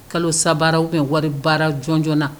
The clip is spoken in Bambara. Kalo saba u bɛ wari baara jɔnj na